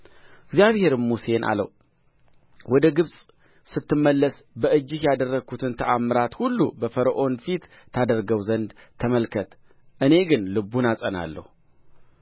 እግዚአብሔርም ሙሴን አለው ወደ ግብፅ ስትመለስ በእጅህ ያደረግሁትን ተአምራት ሁሉ በፈርዖን ፊት ታደርገው ዘንድ ተመልከት እኔ ግን ልቡን አጸናዋለሁ